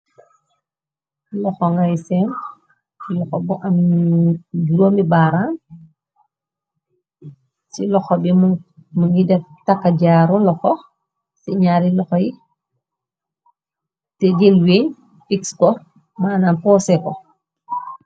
Lokhor ngai sehnn, lokhor bu am juromi bahram, cii lokhor bii mu mungy def, takah jaaru lokhor cii njaari lokhor yii, tehgeh weiyy fix kor, manam pohseh kor.